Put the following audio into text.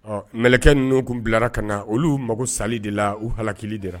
Ɔ mkɛ ninnu tun bilara ka na oluu mago sali de la u hakiliki dera